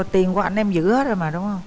tiền của ảnh em giữ hết rồi mà đúng không